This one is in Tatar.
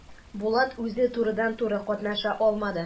Булат үзе турыдан-туры катнаша алмады.